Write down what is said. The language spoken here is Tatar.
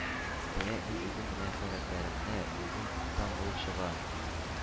Димәк, мин үз мәнфәгатьләремне үзем кысам булып чыга,